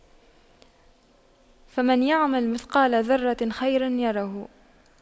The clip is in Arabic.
فَمَن يَعمَل مِثقَالَ ذَرَّةٍ خَيرًا يَرَهُ